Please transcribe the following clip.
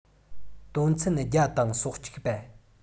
དོན ཚན བརྒྱ དང སོ གཅིག པ